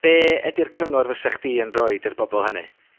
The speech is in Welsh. Be' ydi'r cyngor fysa chdi yn roid i'r bobol hynny?